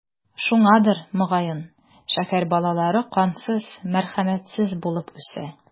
Шуңадыр, мөгаен, шәһәр балалары кансыз, мәрхәмәтсез булып үсә.